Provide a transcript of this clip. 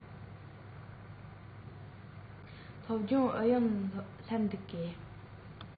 ཞིང ས དག ན ལས ལ བརྩོན པའི སོ ནམ པ རྣམས རྩྭ ཡི བསླས པའི ཆར སྐྱོབ ཀྱི གོས མགོ དང ལུས ལ བགོས ཏེ རྒྱུ